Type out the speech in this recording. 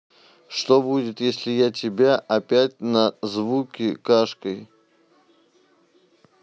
что будет если я тебя опять на звуки кашкой